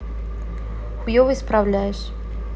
хуево исправляешь